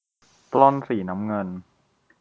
ปล้นสีน้ำเงิน